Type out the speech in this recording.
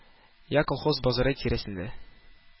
Йә колхоз базары тирәсендә